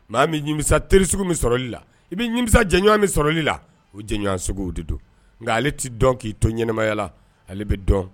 Maa bɛ ɲimisa teriris min sɔrɔli la i bɛ ɲimisa jɛɲɔgɔn min sɔrɔli la o jɛɲɔgɔnso o de don nka ale tɛ dɔn k'i to ɲɛnɛmayala ale bɛ dɔn